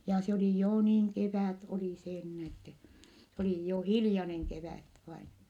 ja se oli jo niin kevät oli se niin että se oli jo hiljainen kevät vain